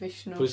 Vishnu.